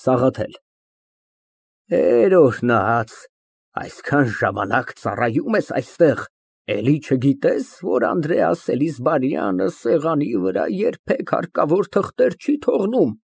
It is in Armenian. ՍԱՂԱԹԵԼ ֊ Հեր օրհնած, այսքան ժամանակ ծառայում ես այստեղ, էլի չգիտե՞ս, որ Անդրեաս Էլիզբարյանը սեղանի վրա երբեք հարկավոր թղթեր չի թողնում։